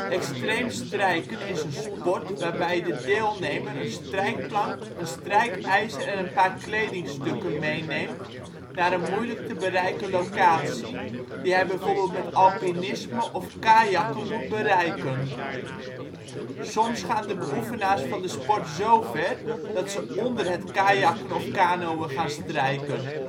Extreem strijken is een sport waarbij de deelnemer een strijkplank, een strijkijzer en een paar kledingstukken meeneemt naar een moeilijk te bereiken locatie, die hij bijvoorbeeld met alpinisme of kajakken moet bereiken. Soms gaan de beoefenaars van de sport zo ver dat ze onder het kajakken/kanoën gaan strijken